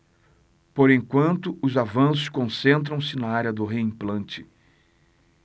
por enquanto os avanços concentram-se na área do reimplante